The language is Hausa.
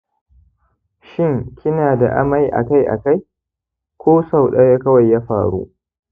shin kina da amai a kai a kai, ko sau ɗaya kawai ya faru